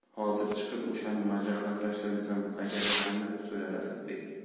hozir chiqib o'shani majaqlab tashla desam bajarasanmi deb so'radi asadbek